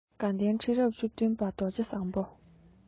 དགའ ལྡན ཁྲི རབས བཅུ བདུན པ རྡོ རྗེ བཟང པོ